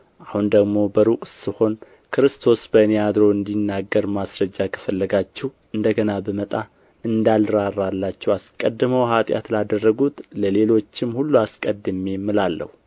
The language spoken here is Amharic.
አሁንም ደግሞ በሩቅ ስሆን ክርስቶስ በእኔ አድሮ እንዲናገር ማስረጃ ከፈለጋችሁ እንደ ገና ብመጣ እንዳልራራላቸው አስቀድመው ኃጢአት ላደረጉት ለሌሎችም ሁሉ አስቀድሜ ብዬአለሁ አስቀድሜም እላለሁ